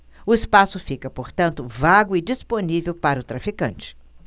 o espaço fica portanto vago e disponível para o traficante